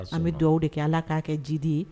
An bɛ dɔw de kɛ ala k'a kɛ jidi ye